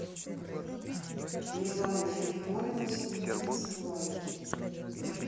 милана филимонова снимается в лайке